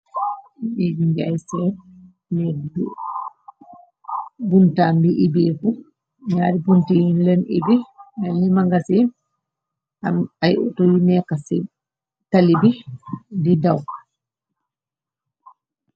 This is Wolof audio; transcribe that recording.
Neeg ngay seen, neeg bi buntam bi ibéku, ñaari bunti yi ñun len obi menni magasin, am ay ooto yu nekka ci tali bi di daw.